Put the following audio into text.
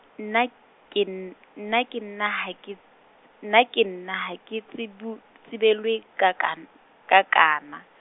nna ke n-, nna ke nna ha ke, nna ke nna ha ke tsebo, tsubelwe kakan-, kakana.